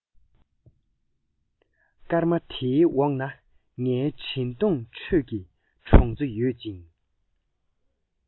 སྐར མ དེའི འོག ན ངའི དྲན གདུང ཁྲོད ཀྱི གྲོང ཚོ ཡོད ཅིང